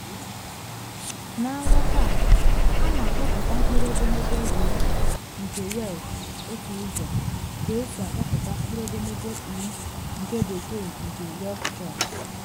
Na nghọta a ana akpọpụta mkpụrụedemede w nke Welsh otu ụzọ ka esi akpọpụta mkpụrụedemede u nke Bekee nke Yorkshire.